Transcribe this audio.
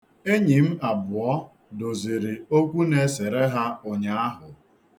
Enyi m abụọ doziri okwu na-esere ha ụnyaahụ.